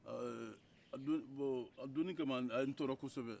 eee a don bɔn a donni kama a ye n tɔɔrɔ kosɛbɛ